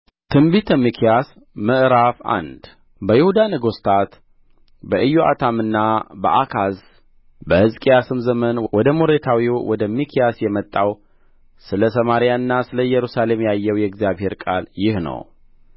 ትንቢተ ሚክያስ ምዕራፍ አንድ በይሁዳ ነገሥታት በኢዮአታምና በአካዝ በሕዝቅያስም ዘመን ወደ ሞሬታዊው ወደ ሚክያስ የመጣው ስለ ሰማርያና ስለ ኢየሩሳሌም ያየው የእግዚአብሔር ቃል ይህ ነው